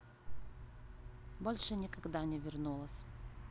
больше никогда не вернулась